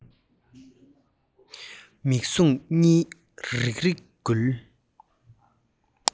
མིག ཟུང གཉིས རིག རིག འགུལ